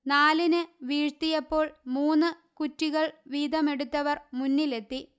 നാലിന് വീഴ്ത്തിയപ്പോള് മൂന്ന് കുറ്റികള് വീതമെടുത്തവര് മുന്നിലെത്തി